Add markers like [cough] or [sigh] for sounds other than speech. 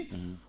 [hesitation] [hesitation]